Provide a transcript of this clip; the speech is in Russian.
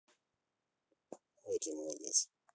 вот и молодец